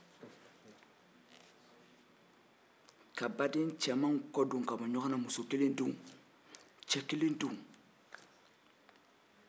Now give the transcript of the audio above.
ka badenw kɔdon ɲɔgɔn na muso de b'o kɛ